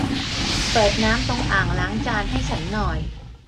เปิดน้ำตรงอ่างล้างจานให้ฉันหน่อย